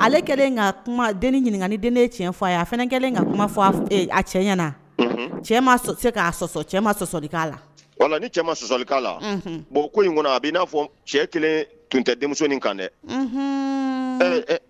ale kɛlen den ɲininka ni den tiɲɛ fɔ a ye a fana kɛlen ka kuma a cɛ na cɛ k sɔsɔ cɛ sɔsɔli k'a la wala ni cɛ sɔsɔli la bon ko in kɔnɔ a bɛ n'a fɔ cɛ kelen tun tɛ denmuso kan dɛ